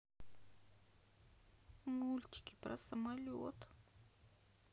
мультики про самолет